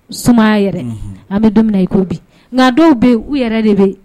Sumaworo yɛrɛ an bɛ daminɛ i ko bi nka dɔw bɛ u yɛrɛ de bɛ yen